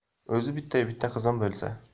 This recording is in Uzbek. o'zi bittayu bitta qizim bo'lsa